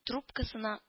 Трубкасына